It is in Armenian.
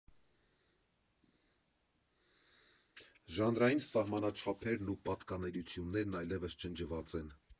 Ժանրային սահմանաչափերն ու պատկանելություններն այլևս ջնջված են.